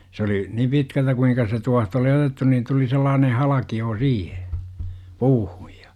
se oli niin pitkältä kuinka se tuohta oli otettu niin tuli sellainen halkio siihen puuhun ja